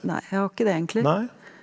nei jeg har ikke det egentlig.